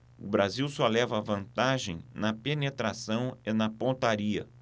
o brasil só leva vantagem na penetração e na pontaria